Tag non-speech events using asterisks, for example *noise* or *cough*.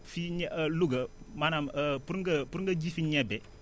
fii ñu *hesitation* Louga maanaam *hesitation* pour nga pour nga ji fi ñebe